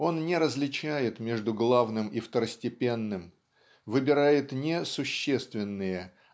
он не различает между главным и второстепенным выбирает не существенные